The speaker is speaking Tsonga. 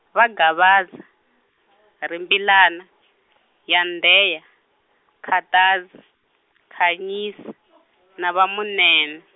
va Gavaza , Rimbilana , Yandheya, Khataz-, Khanyisa , na va Munene.